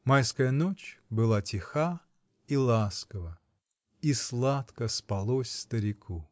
Майская ночь была тиха и ласкова, -- и сладко спалось старику.